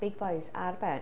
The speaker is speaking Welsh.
Big Boys ar be?